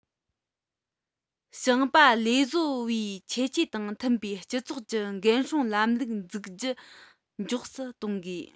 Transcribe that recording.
ཞིང པ ལས བཟོ པའི ཁྱད ཆོས དང མཐུན པའི སྤྱི ཚོགས ཀྱི འགན སྲུང ལམ ལུགས འཛུགས རྒྱུ མགྱོགས སུ གཏོང དགོས